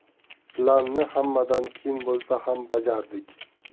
planni hammadan keyin bo'lsa ham bajardik